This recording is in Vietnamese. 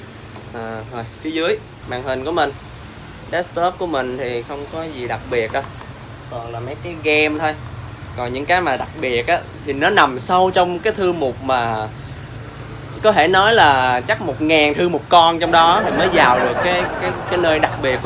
ờ thôi phía dưới màn hình của mình đét tóp của mình thì không có gì đặc biệt đâu toàn là mấy cái ghêm thôi còn những cái mà đặc biệt á thì nó nằm sâu trong cái thư mục mà có thể nói là chắc một ngàn thư mục con trong đó thì mới vào được cái cái nơi đặc biệt